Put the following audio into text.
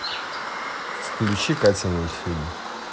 включи катя мультфильм